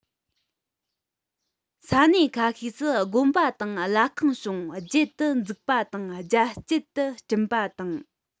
ས གནས ཁ ཤས སུ དགོན པ དང ལྷ ཁང བྱུང རྒྱལ དུ འཛུགས པ དང རྒྱ སྐྱེད དུ སྐྲུན པ དང